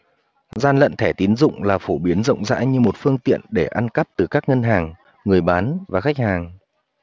gian lận thẻ tín dụng là phổ biến rộng rãi như một phương tiện để ăn cắp từ các ngân hàng người bán và khách hàng